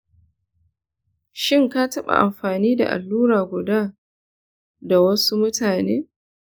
shin ka taɓa amfani da allura guda da wasu mutane?